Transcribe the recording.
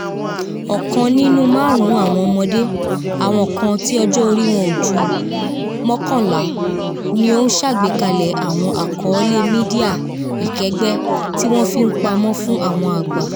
ọkan nínú maarun awọn ọmọde – awọn kan ti ọjọ ori wọn o ju 11 – ni o n ṣagbekalẹ awọn akọọlẹ midia ikẹgbẹ ti wọn n fi pamọ fun awọn agba.